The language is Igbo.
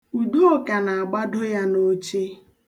Udoka na-agbado ya n'oche.